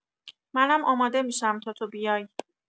منم آماده می‌شم تا تو بیای.